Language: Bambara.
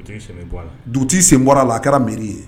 Dugutigi sen bɔra a la a kɛra miiri ye